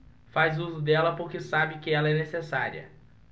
faz uso dela porque sabe que ela é necessária